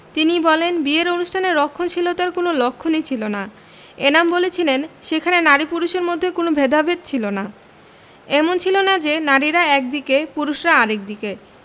তিনি বলেন বিয়ের অনুষ্ঠানে রক্ষণশীলতার কোনো লক্ষণই ছিল না এনাম বলেছিলেন সেখানে নারী পুরুষের মধ্যে কোনো ভেদাভেদ ছিল না এমন ছিল না যে নারীরা একদিকে পুরুষেরা আরেক দিকে